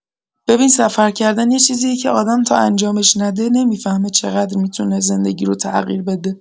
ببین، سفر کردن یه چیزیه که آدم تا انجامش نده، نمی‌فهمه چقدر می‌تونه زندگی رو تغییر بده.